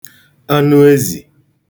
anụezì